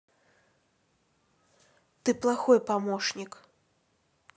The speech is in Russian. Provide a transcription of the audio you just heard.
ты плохой помощник